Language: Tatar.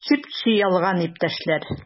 Чеп-чи ялган, иптәшләр!